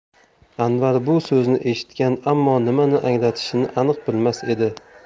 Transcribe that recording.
anvar bu so'zni eshitgan ammo nimani anglatishini aniq bilmas edi